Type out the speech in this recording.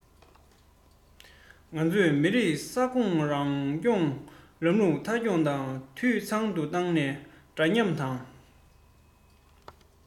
ང ཚོས མི རིགས ས ཁོངས རང སྐྱོང ལམ ལུགས མཐའ འཁྱོངས དང འཐུས ཚང དུ བཏང ནས འདྲ མཉམ དང